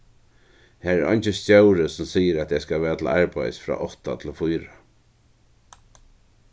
har er eingin stjóri sum sigur at eg skal vera til arbeiðis frá átta til fýra